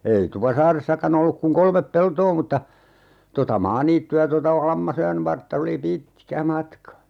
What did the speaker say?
ei Tupasaaressakaan ollut kuin kolme peltoa mutta tuota maaniittyä tuota Lammasojan vartta oli pitkä matka